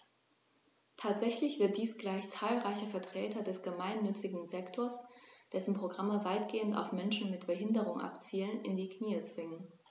Tatsächlich wird dies gleich zahlreiche Vertreter des gemeinnützigen Sektors - dessen Programme weitgehend auf Menschen mit Behinderung abzielen - in die Knie zwingen.